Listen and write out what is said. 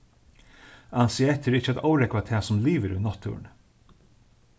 ansið eftir ikki at órógva tað sum livir í náttúruni